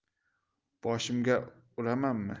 boshimga uramanmi